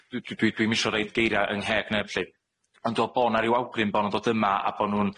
dwi d- dwi dwi'm isio roid geiria' yng ngheg neb lly, ond dw' me'l bo' 'na ryw awgrym bo' nw'n dod yma, a bo' nw'n